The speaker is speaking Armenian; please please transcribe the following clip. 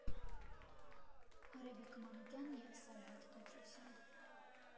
Արևիկ Մանուկյան և Սարհատ Պետրոսյան.